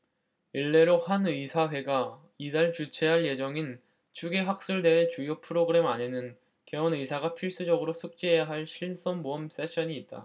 일례로 한 의사회가 이달 주최할 예정인 추계 학술대회 주요 프로그램 안에는 개원의사가 필수적으로 숙지해야 할 실손보험 세션이 있다